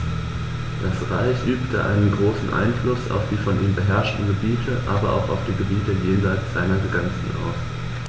Das Reich übte einen großen Einfluss auf die von ihm beherrschten Gebiete, aber auch auf die Gebiete jenseits seiner Grenzen aus.